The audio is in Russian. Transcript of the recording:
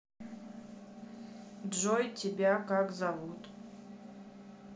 джой тебя как зовут